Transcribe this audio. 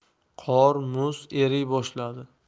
qor muz eriy boshladi